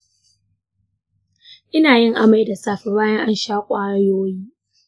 ina yin amai da safe bayan na sha kwayoyi.